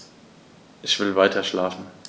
Ich will weiterschlafen.